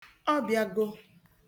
Ọ bịago.